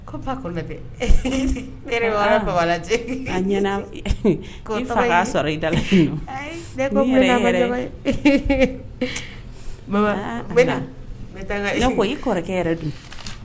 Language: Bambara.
Baba fa'a i baba i kɔrɔkɛ yɛrɛ dun